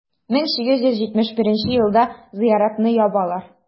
1871 елда зыяратны ябалар.